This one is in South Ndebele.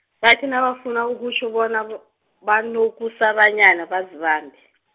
bathi nabafuna ukutjho bona, b- banokusabanyana bazibambe.